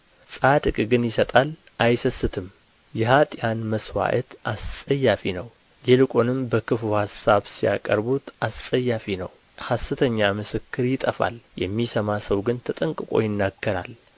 ጻድቅ ግን ይሰጣል አይሰስትም የኀጥኣን መሥዋዕት አስጸያፊ ነው ይልቁንም በክፉ አሳብ ሲያቀርቡት አስጸያፊ ነው ሐሰተኛ ምስክር ይጠፋል የሚሰማ ሰው ግን ተጠንቅቆ ይናገራል